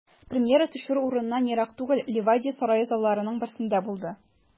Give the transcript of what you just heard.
Премьера төшерү урыныннан ерак түгел, Ливадия сарае залларының берсендә булды.